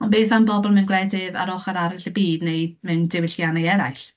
Ond beth am bobl mewn gwledydd ar ochr arall y byd neu mewn diwylliannau eraill?